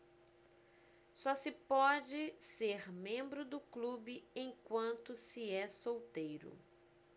só se pode ser membro do clube enquanto se é solteiro